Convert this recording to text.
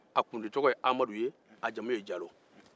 a kunditɔgɔ ye amadu a jamu ye jalo